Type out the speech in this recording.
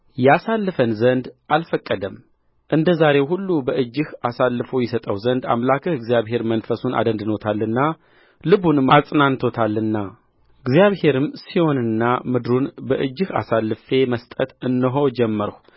ያሳልፈን ዘንድ አልፈቀደም እንደ ዛሬው ሁሉ በእጅህ አሳልፎ ይሰጠው ዘንድ አምላክህ እግዚአብሔር መንፈሱን አደንድኖታልና ልቡንም አጽንቶታልናእግዚአብሔርም ሴዎንንና ምድሩን በእጅህ አሳልፌ መስጠት እነሆ ጀመርሁ